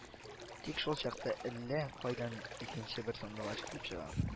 Тик, шул чакта әллә кайдан икенче бер сандугач килеп чыга